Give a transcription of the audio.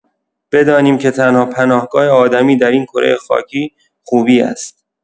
بدانیم که تنها پناهگاه آدمی در این کره خاکی، خوبی است.